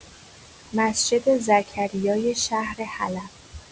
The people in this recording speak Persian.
مسجد زکریای شهر حلب